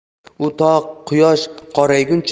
u to qosh qorayguncha